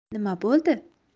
nima bo'ldi